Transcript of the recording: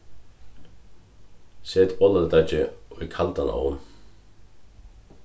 set bolladeiggið í kaldan ovn